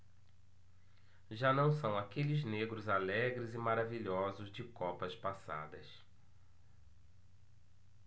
já não são aqueles negros alegres e maravilhosos de copas passadas